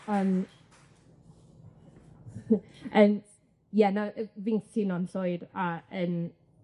Yym yym ie na yy fi'n cytuno'n llwyr a yym